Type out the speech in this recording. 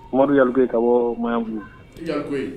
Ru'ke ka bɔ ma bolo koyi